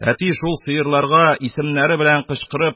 Әти, шул сыерларга, исемнәре белән кычкырып,